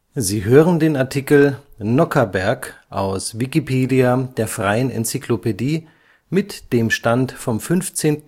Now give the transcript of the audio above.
Sie hören den Artikel Nockherberg, aus Wikipedia, der freien Enzyklopädie. Mit dem Stand vom Der